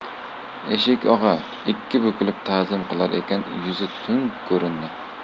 eshik og'a ikki bukilib tazim qilar ekan yuzi tund ko'rindi